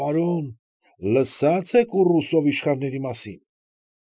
Պարոն, լսա՞ծ եք Ուռուսով իշխանների մասին։